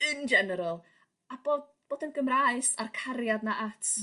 ...In general a bod bod yn Gymraes a'r cariad 'na at...